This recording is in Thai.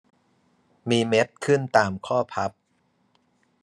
มีเม็ดขึ้นตามข้อพับ